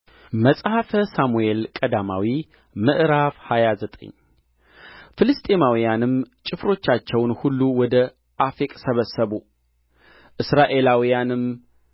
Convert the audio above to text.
መጽሐፈ ሳሙኤል ቀዳማዊ ምዕራፍ ሃያ ዘጠኝ ፍልስጥኤማውያንም ጭፍሮቻቸውን ሁሉ ወደ አፌቅ ሰበሰቡ እስራኤላውያንም